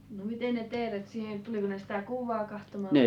no miten ne teeret siihen tuliko ne sitä kuvaa katsomaan